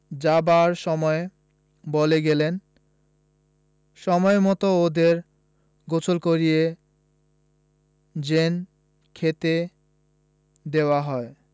যাবার সময় বলে গেলেন সময়মত ওদের গোসল করিয়ে যেন খেতে দেওয়া হয়